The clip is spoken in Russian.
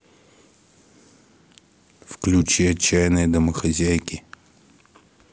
включи отчаянные домохозяйки